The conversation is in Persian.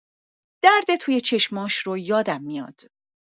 درد توی چشم‌هاش رو یادم می‌آد.